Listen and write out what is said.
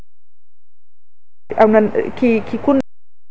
كيكي